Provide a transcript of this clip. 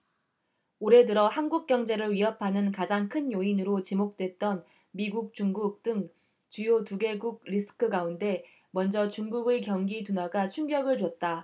올해 들어 한국 경제를 위협하는 가장 큰 요인으로 지목됐던 미국 중국 등 주요 두 개국 리스크 가운데 먼저 중국의 경기 둔화가 충격을 줬다